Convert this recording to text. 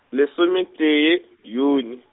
lesometee, June.